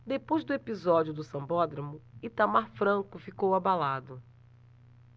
depois do episódio do sambódromo itamar franco ficou abalado